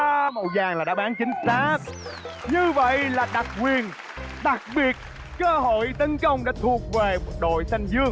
màu vàng là đáp án chính xác như vậy là đặc quyền đặc biệt cho hội tấn công đã thuộc về đội xanh dương